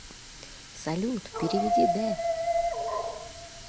салют переведи d